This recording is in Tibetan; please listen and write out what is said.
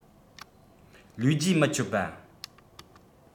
བློས རྗེས མི ཆོད པ